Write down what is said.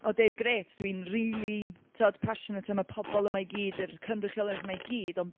O deud, grêt, dwi’n rili, timod, passionate am y pobl yma i gyd, yr cynrychiolaeth yma i gyd ond...